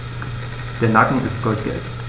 Der Nacken ist goldgelb.